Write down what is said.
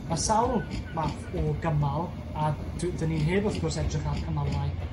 Ma' sawl math o gymal a dwi 'dan ni heb wrth gwrs edrych ar cymalau